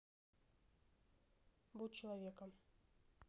будь человеком